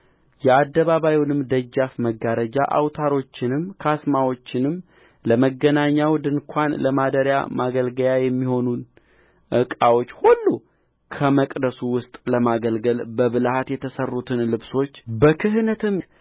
የአደባባዩንም ደጃፍ መጋረጃ አውታሮቹንም ካስማዎቹንም ለመገናኛው ድንኳን ለማደሪያው ማገልገያ የሚሆኑን ዕቃዎች ሁሉ በመቅደስ ውስጥ ለማገልገል በብልሃት የተሠሩትን ልብሶች በክህነትም